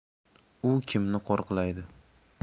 u kimni qo'riqlaydi